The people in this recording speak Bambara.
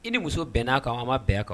I ni muso bɛn n'a kan an ma bɛɛ kan